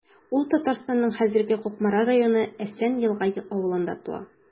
Ул Татарстанның хәзерге Кукмара районы Әсән Елга авылында туа.